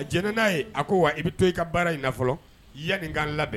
A j n'a ye a ko wa i bɛ to i ka baara in na fɔlɔ i ya nin k'a labɛn